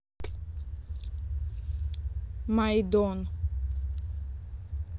майдон